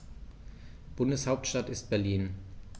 Bundeshauptstadt ist Berlin.